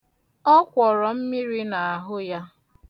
Ọ kwọrọ mmiri n'ahụ ya.